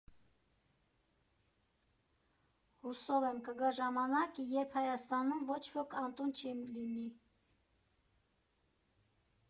Հուսով եմ կգա ժամանակ, երբ Հայաստանում ոչ ոք անտուն չի լինի։